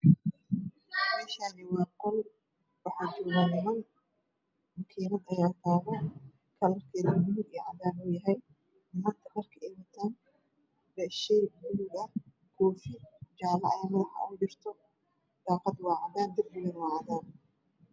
Meeshaani waa qol waxaa niman makiinad aya taalo kalarkeedi buluug iyo cadaan uu yahay nimanka waxay wataan shay buluug ah koofi jaalo ayaa madaxa oogu jirto daaqada waa cagaar darbigana waa cagaar